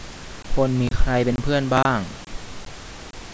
พลมีใครเป็นเพื่อนบ้าง